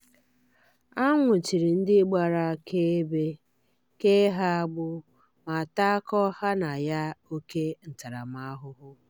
A nwụchiri ndị gbara akaebe, kee ha agbụ ma takọọ ha na ya óké ntaramahụhụ.